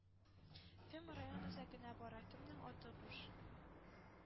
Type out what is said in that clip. Кем район үзәгенә бара? Кемнең аты буш?